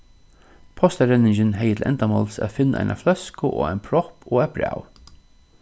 postarenningin hevði til endamáls at finna eina fløsku og ein propp og eitt bræv